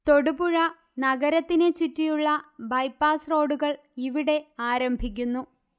തൊടുപുഴ നഗരത്തിനെ ചുറ്റിയുള്ള ബൈപാസ് റോഡുകൾ ഇവിടെ ആരംഭിക്കുന്നു